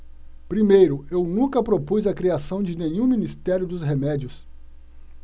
primeiro eu nunca propus a criação de nenhum ministério dos remédios